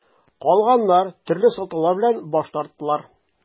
Калганнар төрле сылтаулар белән баш тарттылар.